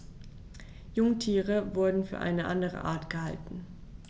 Jungtiere wurden für eine andere Art gehalten.